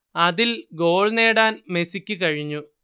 അതിൽ ഗോൾ നേടാൻ മെസ്സിക്ക് കഴിഞ്ഞു